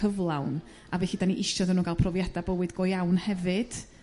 cyflawn a felly 'dyn ni isio iddo nhw ga'l profiade bywyd go iawn hefyd.